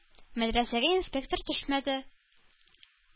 Мәдрәсәгә инспектор төшмәде.